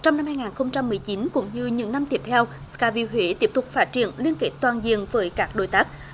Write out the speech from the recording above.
trong năm hai ngàn không trăm mười chín cũng như những năm tiếp theo sờ ca viu huế tiếp tục phát triển liên kết toàn diện với các đối tác